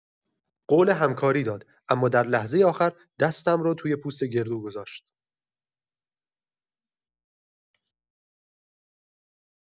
قول همکاری داد، اما در لحظه آخر دستم را توی پوست گردو گذاشت.